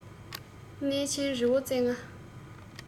གནས ཆེན རི བོ རྩེ ལྔ